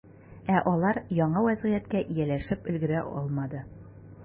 Ә алар яңа вәзгыятькә ияләшеп өлгерә алмады.